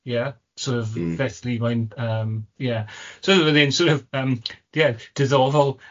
Ie, sor' of... Mm... felly mae'n ie, yym, ie, diddorol